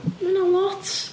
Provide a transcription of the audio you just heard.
Mae hynna'n lot.